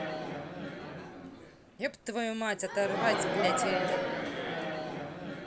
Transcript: еб твою мать оторвать блядь эля